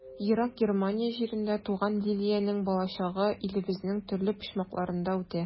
Ерак Германия җирендә туган Лилиянең балачагы илебезнең төрле почмакларында үтә.